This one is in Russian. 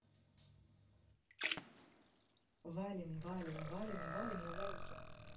валим валим валим валим на вазике